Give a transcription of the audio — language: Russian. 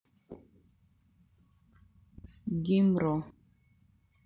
гимро